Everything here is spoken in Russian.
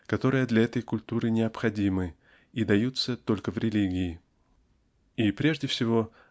которые для этой культуры необходимы и даются только в религии. И прежде всего